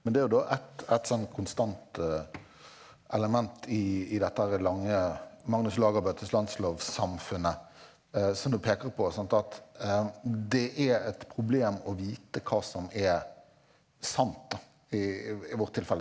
men det er jo da et et sånn konstant element i i dette herre lange Magnus Lagabøtes Landlov-samfunnet som nå peker på sant at det er et problem å vite hva som er sant da i i vårt tilfelle.